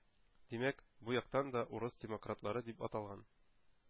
Димәк, бу яктан да урыс демократлары дип аталган